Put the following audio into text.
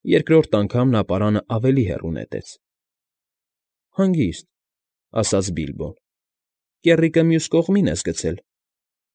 Երկրորդ անգամ նա պարանը ավելի հեռու նետեց։ ֊ Հանգիստ,֊ ասաց Բիլբոն։֊ Կեռիկը մյուս կողին ես գցել։